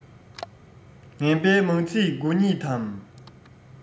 ངན པའི མང ཚིག དགུ ཉིད དམ